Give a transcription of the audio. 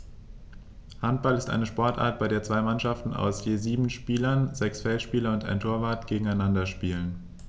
Handball ist eine Sportart, bei der zwei Mannschaften aus je sieben Spielern (sechs Feldspieler und ein Torwart) gegeneinander spielen.